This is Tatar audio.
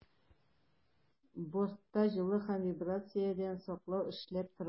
Бортта җылы һәм вибрациядән саклау эшләп тора.